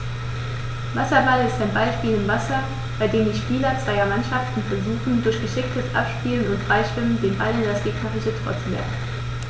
Wasserball ist ein Ballspiel im Wasser, bei dem die Spieler zweier Mannschaften versuchen, durch geschicktes Abspielen und Freischwimmen den Ball in das gegnerische Tor zu werfen.